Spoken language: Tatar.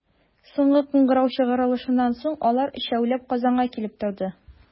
Соңгы кыңгырау чыгарылышыннан соң, алар, өчәүләп, Казанга килеп торды.